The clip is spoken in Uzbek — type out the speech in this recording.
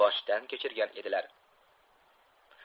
boshdan kechirgan edilar